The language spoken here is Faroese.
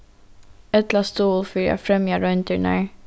ella stuðul fyri at fremja royndirnar